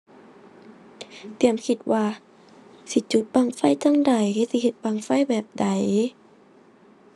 เตรียมคิดว่า สิจุดบั้งไฟจั่งใด สิเฮ็ดบั้งไฟแบบใด